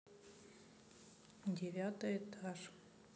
девятый этаж